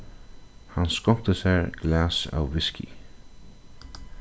hann skonkti sær glas av whisky